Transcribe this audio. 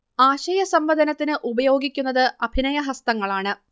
ആശയസംവദനത്തിന് ഉപയോഗിക്കുന്നത് അഭിനയഹസ്തങ്ങളാണ്